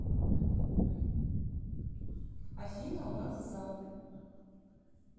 афина у нас за